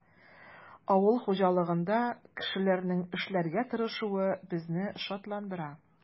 Авыл хуҗалыгында кешеләрнең эшләргә тырышуы безне шатландыра.